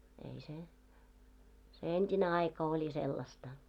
ei se se entinen aika oli sellaista